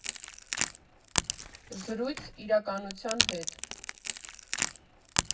Զրույց իրականության հետ։